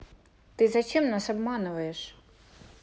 ты зачем нас обманываешь